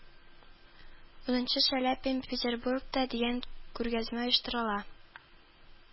Унынчы шаляпин петербургта дигән күргәзмә оештырыла